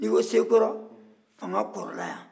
n'i ko sekɔrɔ fanga kɔrɔla yan